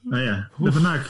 Oh yeah.